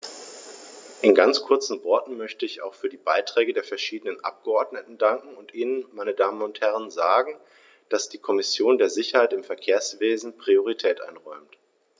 In ganz kurzen Worten möchte ich auch für die Beiträge der verschiedenen Abgeordneten danken und Ihnen, meine Damen und Herren, sagen, dass die Kommission der Sicherheit im Verkehrswesen Priorität einräumt.